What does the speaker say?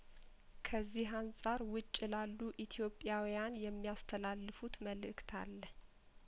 ከዚህ አንጻር ውጭ ላሉ ኢትዮጵያውያን የሚያስተላልፉት መልእክት አለ